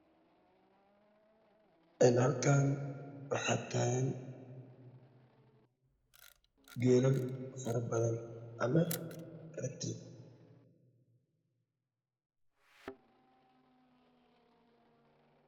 Halkan waxaa taagan geelal fara badan oo jaale ah waxaa ka dambeeyay guri jaalle ah